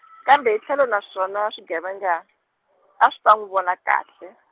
kambe hi tlhelo na swona swigevenga, a swi ta n'wi vona kahle.